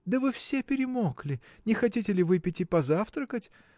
Да вы все перемокли: не хотите ли выпить и позавтракать?